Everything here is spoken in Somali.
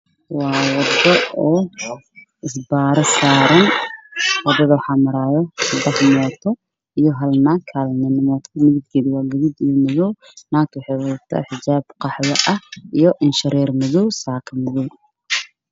Waa waddo isbaaro saaran waxaa maraya bajaaj nin ayaa gees marayo duq ah iyo maamu